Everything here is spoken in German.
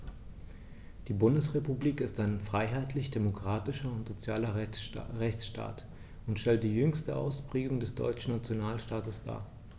Die Bundesrepublik ist ein freiheitlich-demokratischer und sozialer Rechtsstaat[9] und stellt die jüngste Ausprägung des deutschen Nationalstaates dar.